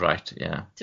O reit, ie.